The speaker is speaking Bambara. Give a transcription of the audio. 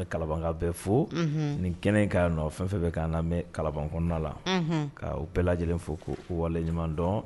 Kalakan bɛ fo ni kɛnɛ in' nɔ fɛn fɛn bɛ ka na mɛn kala kɔnɔna la ka u bɛɛ lajɛlen fo' u wale ɲumandɔn